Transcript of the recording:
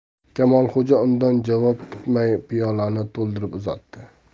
kamolxo'ja undan javob kutmay piyolani to'ldirib uzatdi